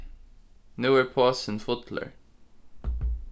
nú er posin fullur